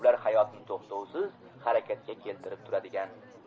ular hayotni to'xtovsiz harakatga keltirib turadigan kuchlardir